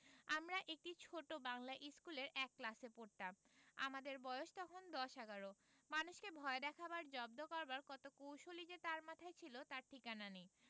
আমরা একটি ছোট বাঙলা ইস্কুলের এক ক্লাসে পড়তাম আমাদের বয়স তখন দশ এগারো মানুষকে ভয় দেখাবার জব্দ করবার কত কৌশলই যে তার মাথায় ছিল তার ঠিকানা নেই